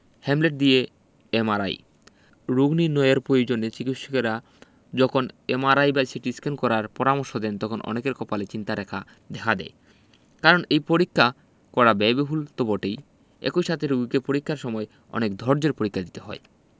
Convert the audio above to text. helmet দিয়ে MRI রোগ নির্নয়ের পয়োজনে চিকিত্সকেরা যখন এমআরআই বা সিটিস্ক্যান করার পরামর্শ দেন তখন অনেকের কপালে চিন্তার রেখা দেখা দেয় কারণ এই পরীক্ষা করা ব্যয়বহুল তো বটেই একই সাথে রোগীকে পরীক্ষার সময় অনেক ধর্য্যের পরীক্ষা দিতে হয়